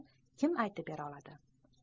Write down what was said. kim aytib bera oladi